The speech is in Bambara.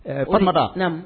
Komada